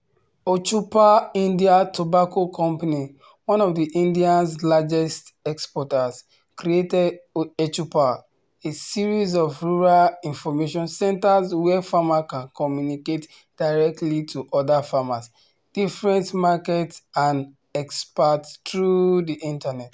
eChoupal Indian Tobacco Company, one of India’s largest exporters, created eChoupal, a series of rural information centers where farmers can communicate directly to other farmers, different markets and experts through the internet.